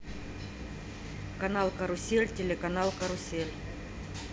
канал карусель телеканал карусель